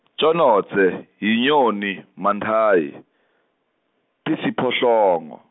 Tjonodze yinyoni Mantayi, Tisiphohlongo.